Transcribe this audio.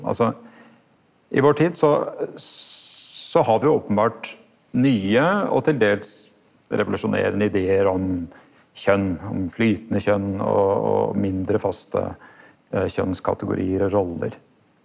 altså i vår tid så så har vi jo openbert nye og til dels revolusjonerande idear om kjønn, om flytande kjønn og og mindre faste kjønnskategoriar og rollar.